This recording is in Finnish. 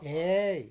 ei